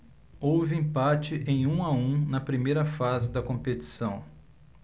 houve empate em um a um na primeira fase da competição